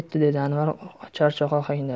dedi anvar charchoq ohangda